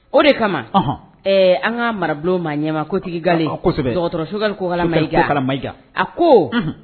O de kama an ka mara bulon maa ɲɛ ma kotigikasɛbɛ suka komaka kala a ko